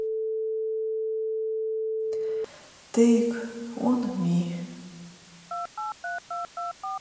тейк он ми